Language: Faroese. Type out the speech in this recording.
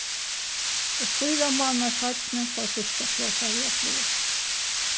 og fýra mánaðir seinni fór fyrsta flogfarið á flog